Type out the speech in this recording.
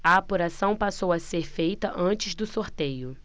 a apuração passou a ser feita antes do sorteio